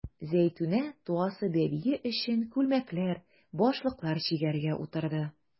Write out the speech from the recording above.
Зәйтүнә туасы бәбие өчен күлмәкләр, башлыклар чигәргә утырды.